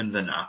yn fyna